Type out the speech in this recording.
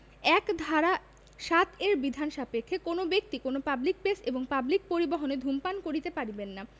১ ধারা ৭ এর বিধান সাপেক্ষে কোন ব্যক্তি কোন পাবলিক প্লেস এবং পাবলিক পরিবহণে ধূমপান করিতে পারিবেন না